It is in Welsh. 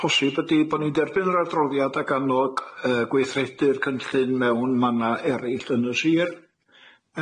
posib ydi bo' ni'n derbyn yr arddroddiad ac annog yy gweithredu'r cynllun mewn manna eryll yn y sir.